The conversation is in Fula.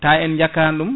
taw en ƴakani ɗum